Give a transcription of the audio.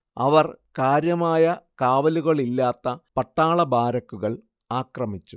അവർ കാര്യമായ കാവലുകളില്ലാത്ത പട്ടാള ബാരക്കുകൾ ആക്രമിച്ചു